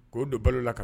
K'o don balola ka na